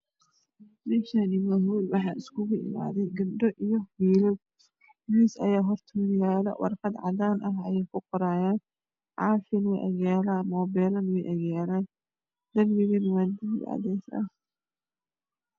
Meeshaani was hool waxa isigu imadaaya gabdho iyo wiilal miis ayaa hortoda yaalo warqad cadaan ayey ku qorayaan caafi way agyaalaan mobile way agyaalan laamigana waa buluug cadays ah